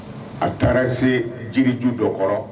A taara se jirju dɔ kɔrɔ